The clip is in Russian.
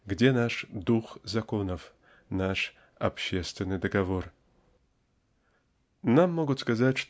Где наш "Дух законов", наш "Общественный договор"? Нам могут сказать